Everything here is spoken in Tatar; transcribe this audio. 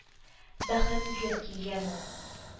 Бәхет эзләп килгән ул.